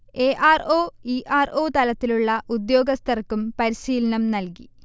A. R. O., E. R. O. തലത്തിലുള്ള ഉദ്യോഗസ്ഥർക്കും പരിശീലനം നൽകി